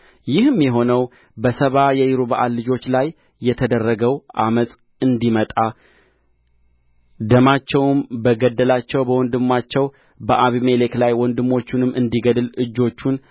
ይህም የሆነው በሰባ የይሩበኣል ልጆቹ ላይ የተደረገው ዓመፅ እንዲመጣ ደማቸውም በገደላቸው በወንድማቸው በአቤሜሌክ ላይ ወንድሞቹንም እንዲገድል እጆቹን